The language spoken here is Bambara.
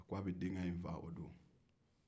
a ko a bɛ denkɛ in faa o don